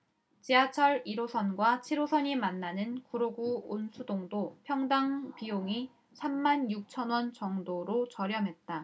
지하철 일 호선과 칠 호선이 만나는 구로구 온수동도 평당 비용이 삼 만 육천 원 정도로 저렴했다